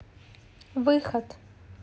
выход